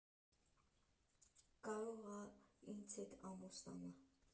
«Կարո՞ղ ա՝ ինձ հետ ամուսնանա»։